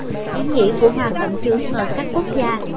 ý nghĩa của hoa cẩm chướng ở các quốc gia